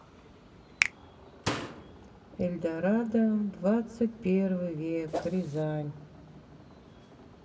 эльдорадо двадцать первый век рязань